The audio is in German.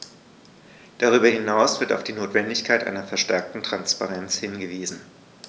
Darüber hinaus wird auf die Notwendigkeit einer verstärkten Transparenz hingewiesen.